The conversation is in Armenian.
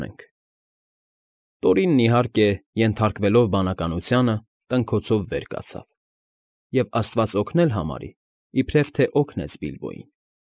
Ունենք… Տորինն, իհարկե, ենթարկվելով բանականությանը, տնքոցով վեր կացավ և, աստված օգնել համարի, իբրև թե օգնեց Բիլբոյին։